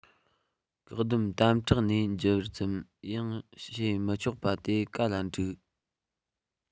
བཀག འདོམས དམ དྲགས ནས འགྱུར ཙམ ཡང བྱས མི ཆོག པ དེ ག ལ འགྲིག